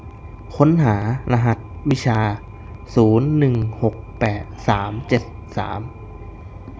ค้นหารหัสวิชาศูนย์หนึ่งหกแปดสามเจ็ดสาม